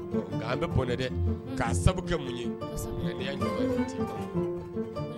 ' an bɛ bɔnɛ dɛ k' sababu mun ye